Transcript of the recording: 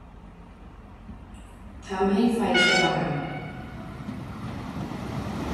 ทำให้ไฟสว่าง